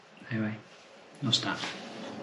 Eniwe, nos da!